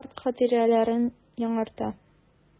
Карт хатирәләрен яңарта.